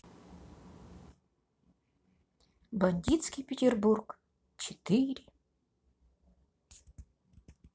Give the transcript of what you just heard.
бандитский петербург четыре